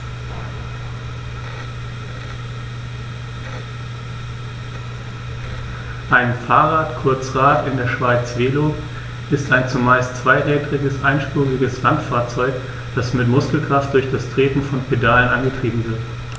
Ein Fahrrad, kurz Rad, in der Schweiz Velo, ist ein zumeist zweirädriges einspuriges Landfahrzeug, das mit Muskelkraft durch das Treten von Pedalen angetrieben wird.